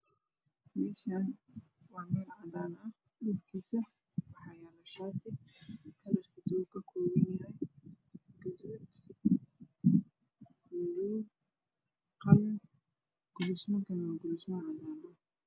Meeshaan waa meel cadaan ah waxaa yaalo shaati kalarkiisu yahay gaduud madow iyo qalin kuluusmadu waa cadaan.